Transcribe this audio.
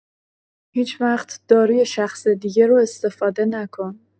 هیچ‌وقت داروی شخص دیگه رو استفاده نکن.